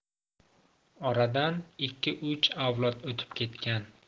oradan ikki uch avlod o'tib ketgan